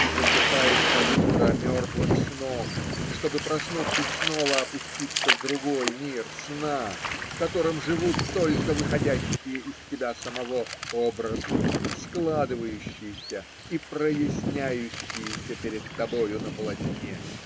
И засыпаешь под утро мертвым сном, чтобы, проснувшись, снова опуститься в другой мир сна, в котором живут только выходящие из тебя самого образы, складывающиеся и проясняющиеся перед тобою на полотне.